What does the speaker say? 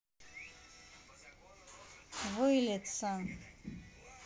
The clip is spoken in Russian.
вылиться